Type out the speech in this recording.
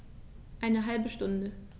Eine halbe Stunde